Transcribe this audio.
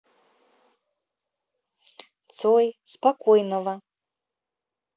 цой спокойного